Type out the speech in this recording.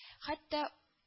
Хәттә